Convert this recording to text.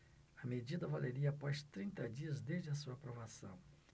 a medida valeria após trinta dias desde a sua aprovação